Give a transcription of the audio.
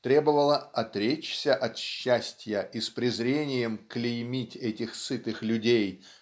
требовала "отречься от счастья и презреньем клеймить этих сытых людей